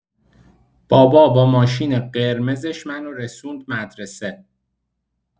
بابا با ماشین قرمزش منو رسوند مدرسه.